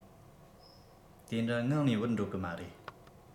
དེ འདྲ ངང ནས བུད འགྲོ གི མ རེད